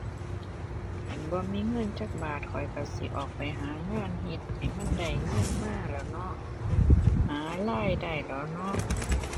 คันบ่มีเงินจักบาทข้อยก็สิออกไปหางานเฮ็ดให้มันได้เงินมาแล้วเนาะ หารายได้แล้วเนาะ